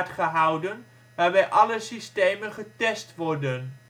gehouden waarbij alle systemen getest worden